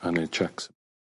A neud checks.